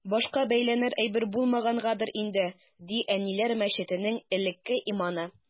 Башка бәйләнер әйбер булмагангадыр инде, ди “Әниләр” мәчетенең элекке имамы.